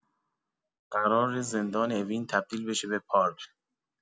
قراره زندان اوین تبدیل بشه به پارک.